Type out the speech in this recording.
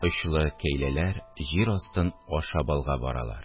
Очлы кәйләләр җир астын ашап алга баралар